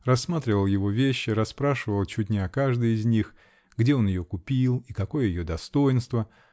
рассматривал его вещи, расспрашивал чуть не о каждой из них: где он ее купил и какое ее достоинство?